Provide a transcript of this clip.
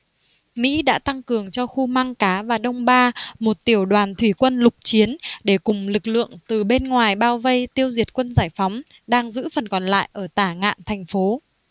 mỹ đã tăng cường cho khu mang cá và đông ba một tiểu đoàn thủy quân lục chiến để cùng lực lượng từ bên ngoài bao vây tiêu diệt quân giải phóng đang giữ phần còn lại ở tả ngạn thành phố